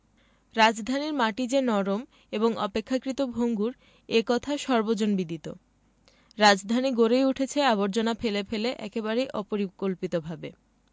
রাজধানীর মাটি যে নরম এবং অপেক্ষাকৃত ভঙ্গুর এ কথা সর্বজনবিদিত রাজধানী গড়েই উঠেছে আবর্জনা ফেলে ফেলে একেবারেই অপরিকল্পিতভাবে